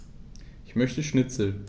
Ich möchte Schnitzel.